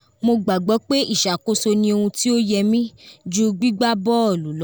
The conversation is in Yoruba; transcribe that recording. ’’Mo gbagbọ pé ìṣàkóso ní ohun tí ó yẹ mí, ju gbígbà bọ́ọ̀lù lọ.